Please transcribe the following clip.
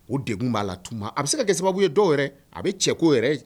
O degun b'a la tuma a bɛ se kɛ sababu ye dɔw yɛrɛ a bɛ cɛ ko yɛrɛ